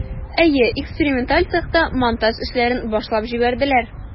Әйе, эксперименталь цехта монтаж эшләрен башлап җибәрделәр.